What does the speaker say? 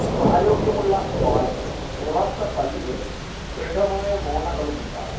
ആരോഗ്യമുള്ള വായിൽ ഉറച്ച പല്ലുകളും ദൃഢമായ മോണകളുമുണ്ടാകും